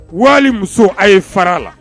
Wali muso a ye fara a la